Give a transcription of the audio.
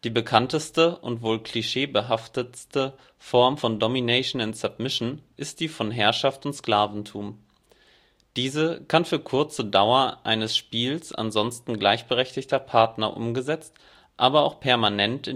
bekannteste und wohl klischeebehaftetste Form von Domination and Submission ist die von Herrschaft und Sklaventum. Diese kann für die kurze Dauer eines „ Spiels “ansonsten gleichberechtigter Partner umgesetzt, aber auch permanent